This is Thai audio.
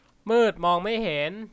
มืดมองไม่เห็น